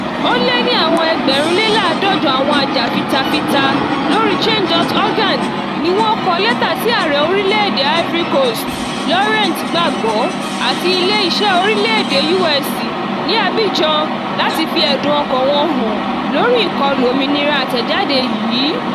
Ó lé ní àwọn 1,150 àwọn ajàfitafita lórí Change.org ní wọ́n kọ́ lẹ́tà sí Ààrẹ orílẹ̀ èdè Ivory Coast Laurent Gbagbọ àti ilé iṣẹ́ orílẹ̀ èdè U.S ní Abidjan láti fi ẹ̀dùn ọkàn wọn hàn lórí ìkọlù òmìnira àtẹ̀jáde yìí.